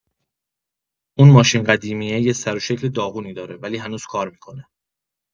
اون ماشین قدیمیه یه سروشکل داغونی داره، ولی هنوز کار می‌کنه.